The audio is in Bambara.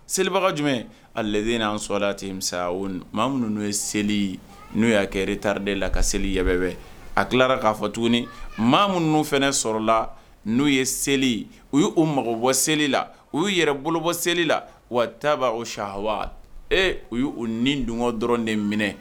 Selibaga jumɛn a le n'an sɔda ten o ma minnu n'u ye seli ye n'o y'a kɛreta de la ka seliy a tilara k'a fɔ tuguni ma minnu n'u fana sɔrɔla n'u ye seli u y'u mago bɔ seli la u y'u yɛrɛ bolobɔ seli la wa ta b' o sahwa ee u y' uu ni dun dɔrɔn de minɛ